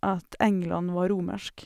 At England var romersk.